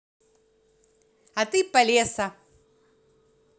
а ты полеса